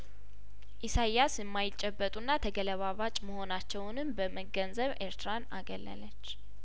ኢሳያስ የማይጨበጡና ተገለባባጭ መሆናቸውንም በመገንዘብ ኤርትራን አገለለች